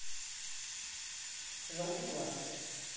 желтый глаз